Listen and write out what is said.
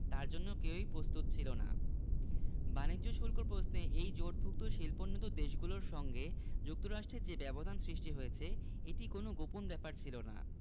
তার জন্য কেউই প্রস্তুত ছিল না বাণিজ্য শুল্ক প্রশ্নে এই জোটভুক্ত শিল্পোন্নত দেশগুলোর সঙ্গে যুক্তরাষ্ট্রের যে ব্যবধান সৃষ্টি হয়েছে এটি কোনো গোপন ব্যাপার ছিল না